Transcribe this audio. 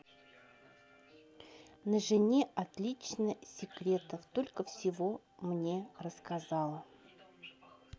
на жене отлично секретов только всего мне рассказала